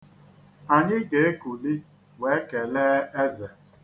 Anyị ga-ekuli wee kelee eze.